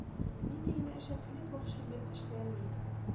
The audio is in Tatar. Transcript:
Нинди генә әшәкелек вәхшилек эшләнми